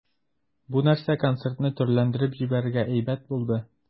Бу нәрсә концертны төрләндереп җибәрергә әйбәт булды.